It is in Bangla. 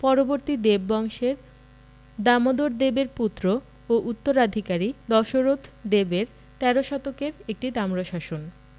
পরবর্তী দেব বংশের দামোদরদেবের পুত্র ও উত্তরাধিকারী দশরথ দেবের তেরো শতকের একটি তাম্রশাসন